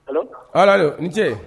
Ala , allo allo i ini ce.